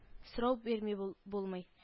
Сорау бирми булбулмый: